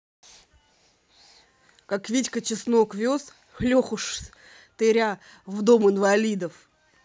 как витька чеснок вез леху штыря в дом инвалидов